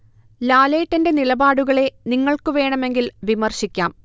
ലാലേട്ടന്റെ നിലപാടുകളെ നിങ്ങൾക്ക് വേണമെങ്കിൽ വിമർശിക്കാം